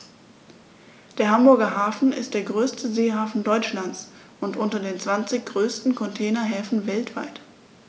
Der Hamburger Hafen ist der größte Seehafen Deutschlands und unter den zwanzig größten Containerhäfen weltweit.